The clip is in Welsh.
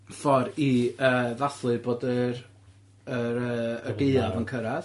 ffor i yy ddathlu bod yr yr yy y Gaeaf yn cyrradd.